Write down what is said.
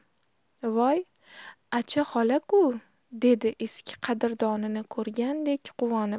voy acha xola ku dedi eski qadrdonini ko'rgandek quvonib